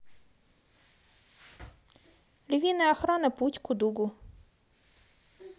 львиная охрана путь к удугу